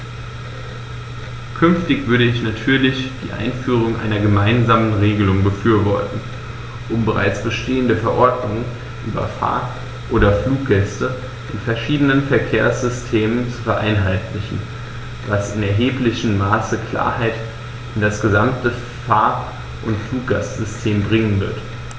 Künftig würde ich natürlich die Einführung einer gemeinsamen Regelung befürworten, um bereits bestehende Verordnungen über Fahr- oder Fluggäste in verschiedenen Verkehrssystemen zu vereinheitlichen, was in erheblichem Maße Klarheit in das gesamte Fahr- oder Fluggastsystem bringen wird.